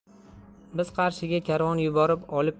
biz qarshiga karvon yuborib olib